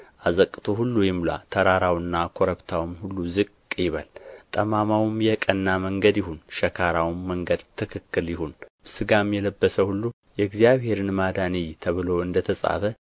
ዐዘቅቱ ሁሉ ይሙላ ተራራውና ኮረብታውም ሁሉ ዝቅ ይበል ጠማማውም የቀና መንገድ ይሁን ሸካራውም መንገድ ትክክል ይሁን ሥጋም የለበሰ ሁሉ የእግዚአብሔርን ማዳን ይይ ተብሎ እንደ ተጻፈ